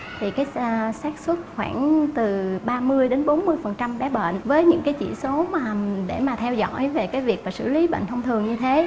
thì cái xa xác suất khoảng từ ba mươi đến bốn mươi phần trăm bé bệnh với những cái chỉ số mà để mà theo dõi về cái việc và xử lý bệnh thông thường như thế